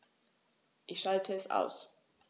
Ich schalte es aus.